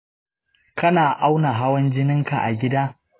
kana auna hawan jininka a gida?